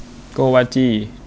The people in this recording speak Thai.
โกวาจี